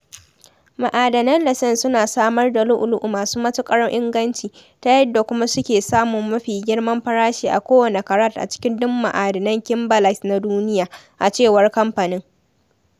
Ma’adanan Letšeng suna samar da lu’u-lu’u masu mastuƙar inganci, ta yadda kuma suke samun mafi girman farashi a kowanne karat a cikin duk ma’adinan kimberlite na duniya, a cewar kamfanin.